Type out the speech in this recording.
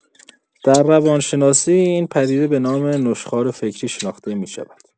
در روان‌شناسی، این پدیده به نام نشخوار فکری شناخته می‌شود.